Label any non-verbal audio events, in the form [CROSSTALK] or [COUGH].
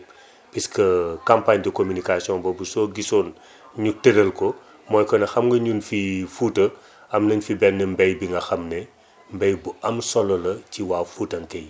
[BREATH] puisque campagne de communication boobu soo gisoon [INHALES] ñu tëral ko mooy que ne xam nga ñun fii Fouta am nañ fi benn mbay bi nga xam ne mbay bu am solo la ci waa fuutànke yi